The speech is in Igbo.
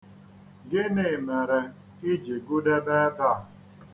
Gịnị mere i ji gụdebe ebe a?